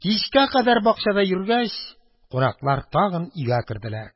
Кичкә кадәр бакчада йөргәч, кунаклар тагын өйгә керделәр